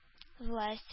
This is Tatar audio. Власть